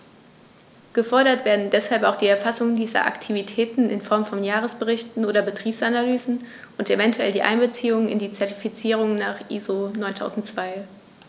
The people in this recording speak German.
Gefordert werden deshalb auch die Erfassung dieser Aktivitäten in Form von Jahresberichten oder Betriebsanalysen und eventuell die Einbeziehung in die Zertifizierung nach ISO 9002.